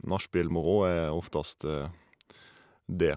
Nachspiel-moro er oftest det.